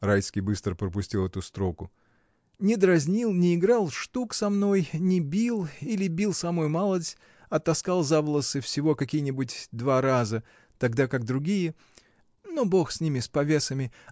(Райский быстро пропустил эту строку), не дразнил, не играл “штук” со мной, не бил — или бил самую малость: оттаскал за волосы всего каких-нибудь два раза, тогда как другие. Но Бог с ними, с повесами!